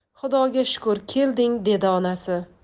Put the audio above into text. xudoga shukr kelding dedi onasi